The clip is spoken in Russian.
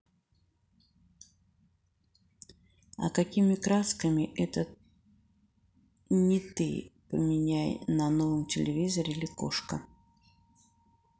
а какими красками это не ты поменяй на новом телевизоре ли кошки